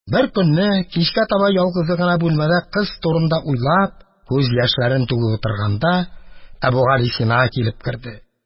Беркөнне кичкә таба ялгызы гына бүлмәдә кыз турында уйлап, күз яшьләрен түгеп утырганда, Әбүгалисина килеп керде.